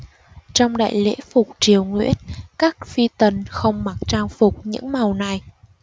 trong đại lễ phục triều nguyễn các phi tần không mặc trang phục những màu này